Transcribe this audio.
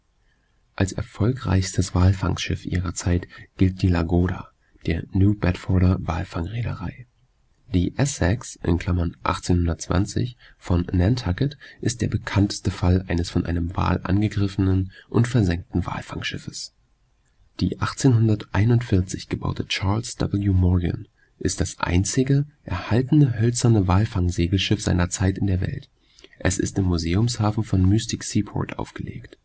Als erfolgreichstes Walfangschiff ihrer Zeit gilt die Lagoda der New Bedforder Walfang-Reederei. Die Essex (1820) von Nantucket ist der bekannteste Fall eines von einem Wal angegriffenen und versenkten Walfangschiffes. Die 1841 gebaute Charles W. Morgan ist das einzige erhaltene hölzerne Walfangsegelschiff seiner Zeit in der Welt. Es ist im Museumshafen von Mystic Seaport aufgelegt